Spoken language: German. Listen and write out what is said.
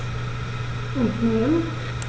Und nun?